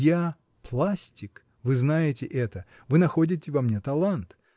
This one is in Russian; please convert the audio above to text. Я пластик — вы знаете это, вы находите во мне талант.